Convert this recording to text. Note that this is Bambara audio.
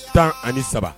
13